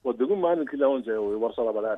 O dugu' ni ki cɛ o ye wasalaba